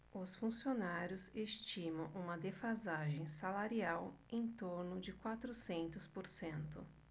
os funcionários estimam uma defasagem salarial em torno de quatrocentos por cento